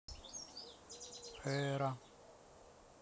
эра